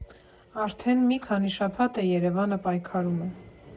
Արդեն մի քանի շաբաթ է՝ Երևանը պայքարում է։